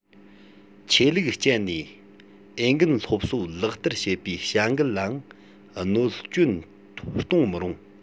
ཆོས ལུགས སྤྱད ནས འོས འགན སློབ གསོ ལག བསྟར བྱེད པའི བྱ འགུལ ལའང གནོད སྐྱོན གཏོང མི རུང